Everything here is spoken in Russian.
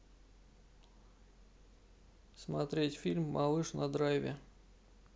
смотреть фильм малыш на драйве